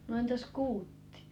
no entäs kuutti